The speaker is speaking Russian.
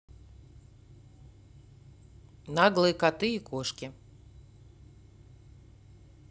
наглые коты и кошки